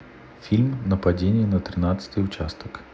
фильм нападение на тринадцатый участок